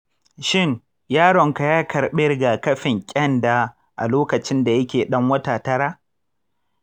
shin yaronka ya karɓi rigakafin ƙyanda a lokacin da yake ɗan wata tara?